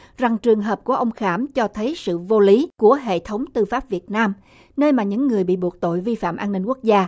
rằng trường hợp của ông khảm cho thấy sự vô lý của hệ thống tư pháp việt nam nơi mà những người bị buộc tội vi phạm an ninh quốc gia